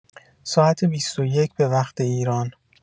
ساعت ۲۱: ۰۰ به‌وقت‌ایران